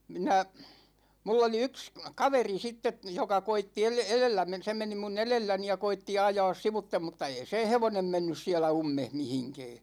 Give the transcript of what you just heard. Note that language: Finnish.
minä minulla oli yksi kaveri sitten joka koetti - edellä - se meni minun edelläni ja koetti ajaa sivuitse mutta ei sen hevonen mennyt siellä ummessa mihinkään